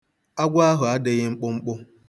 Agwọ ahụ adịghị mkpụmkpụ.